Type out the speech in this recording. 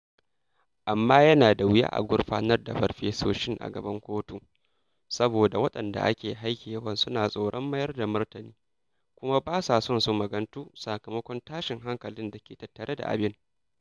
Amma yana da wuya a gurfanar da farfesoshin a gaban kotu saboda waɗanda ake haikewan su na tsoron mayar da martani kuma ba sa son su magantu sakamakon tashin hankalin da ke tattare da abin.